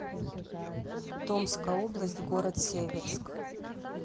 томская область город северск